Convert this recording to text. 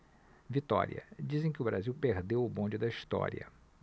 vitória dizem que o brasil perdeu o bonde da história